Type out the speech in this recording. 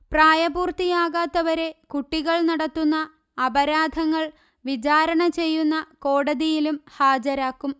പ്രായപൂർത്തിയാകാത്തവരെ കുട്ടികൾ നടത്തുന്ന അപരാധങ്ങൾ വിചാരണ ചെയ്യുന്ന കോടതിയിലും ഹാജരാക്കും